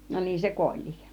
no niin se kuolikin